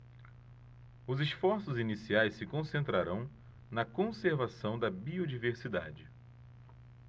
os esforços iniciais se concentrarão na conservação da biodiversidade